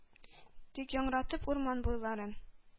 Тик яңратып урман буйларын,